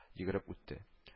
Йөгереп үтте